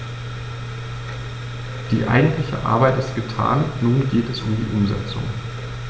Die eigentliche Arbeit ist getan, nun geht es um die Umsetzung.